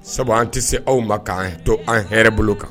Sabu an ti se anw ma kan to an hɛrɛ bolo kan.